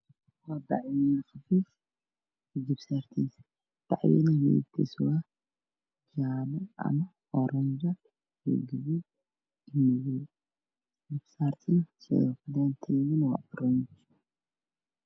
Waa go ob waxaa dul saaran maro midabkeedu yahay qaxooy waxaa ka dambeeya arrimaha cadaan